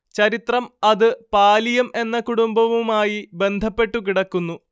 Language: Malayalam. ചരിത്രം അത് പാലിയം എന്ന കുടുംബവുമായി ബന്ധപ്പെട്ടു കിടക്കുന്നു